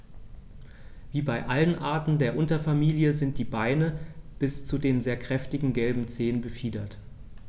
Wie bei allen Arten der Unterfamilie sind die Beine bis zu den sehr kräftigen gelben Zehen befiedert.